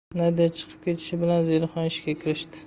nadya chiqib ketishi bilan zelixon ishga kirishdi